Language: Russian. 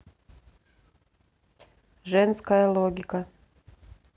женская логика